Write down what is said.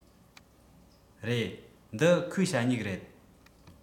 རེད འདི ཁོའི ཞ སྨྱུག རེད